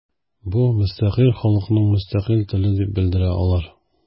Бу – мөстәкыйль халыкның мөстәкыйль теле дип белдерә алар.